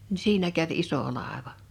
niin siinä kävi iso laiva